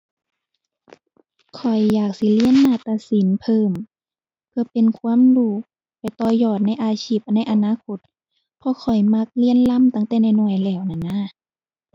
ข้อยอยากสิเรียนนาฏศิลป์เพิ่ม เพื่อเป็นความรู้ไปต่อยอดในอาชีพในอนาคต เพราะข้อยมักเรียนรำตั้งแต่น้อยน้อยแล้วนั้นนะ